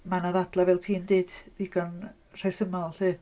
Mae yna ddadlau, fel ti'n deud ddigon rhesymol 'lly.